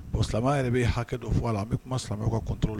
Bon silamɛya yɛrɛ bɛ hakɛ dɔ fɔ a la, an bɛ kuma silamɛya ka controle